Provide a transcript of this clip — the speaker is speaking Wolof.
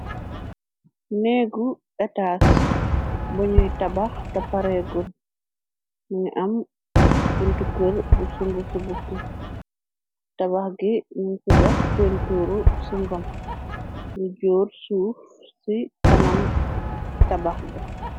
Ñeegu etas, buñuy tabax ta pareegur, ngi am bunti kër bu sungu ci bukki, tabax gi mu ci def pentuuru ci ngom, lu jóor suuf ci kanam tabax de.